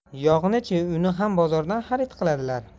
yog'ni chi uni ham bozordan xarid qiladilar